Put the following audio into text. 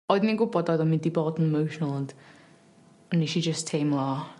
Oedden i'n gwbod oedd o'n mynd i bod yn emotional ond nesh i jyst teimlo